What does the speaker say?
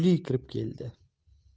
qizi guli kirib keldi